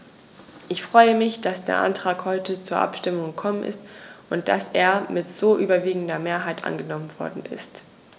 Ich freue mich, dass der Antrag heute zur Abstimmung gekommen ist und dass er mit so überwiegender Mehrheit angenommen worden ist.